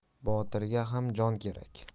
botirga ham jon kerak